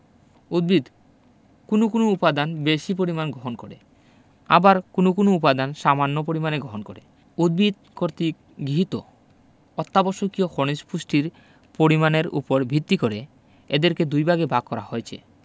উদ্ভিদ কোনো কোনো উপাদান বেশি পরিমাণ গহণ করে আবার কোনো কোনো উপাদান সামান্য পরিমাণে গহণ করে উদ্ভিদ কর্তৃক গিহীত অত্যাবশ্যকীয় খনিজ পুষ্টির পরিমাণের উপর ভিত্তি করে এদেরকে দুইভাগে ভাগ করা হয়েছে